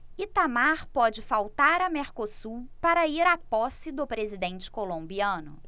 itamar pode faltar a mercosul para ir à posse do presidente colombiano